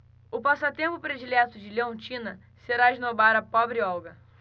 o passatempo predileto de leontina será esnobar a pobre olga